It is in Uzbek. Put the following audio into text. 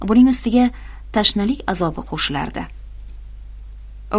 buning ustiga tashnalik azobi qo'shilardi